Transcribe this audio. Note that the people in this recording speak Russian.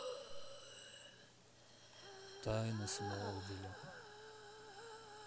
тайны смолвиля